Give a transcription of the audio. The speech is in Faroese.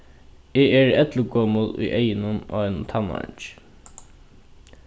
eg eri elligomul í eygunum á einum tannáringi